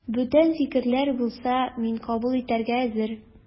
Бүтән фикерләр булса, мин кабул итәргә әзер.